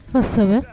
Kosɛbɛ